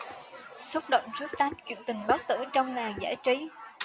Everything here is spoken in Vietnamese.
xúc động trước tám chuyện tình bất tử trong làng giải trí